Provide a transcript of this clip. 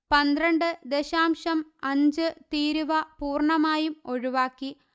പന്ത്രണ്ട് ദശാംശം അഞ്ച് തീരുവ പൂർണമായും ഒഴിവാക്കി